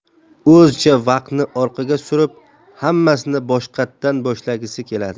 o'zicha vaqtni orqaga surib hammasini boshqatdan boshlagisi keladi